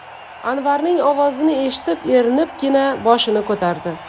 anvarning ovozini eshitib erinibgina boshini ko'tardi